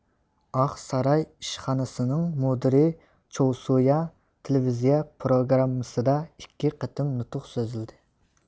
ئاقساراي ئىشخانىسىنىڭ مۇدىرى چوۋسۇيا تېلېۋىزىيە پروگراممىسىدا ئىككى قېتىم نۇتۇق سۆزلىدى